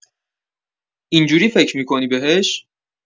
اینجوری فکر می‌کنی بهش؟